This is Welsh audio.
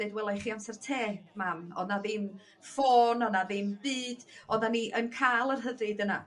deud wela' i chi amser te mam odd 'na ddim ffôn o' 'na ddim byd oddan ni yn ca'l y rhydid yna.